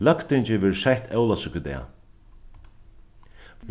løgtingið verður sett ólavsøkudag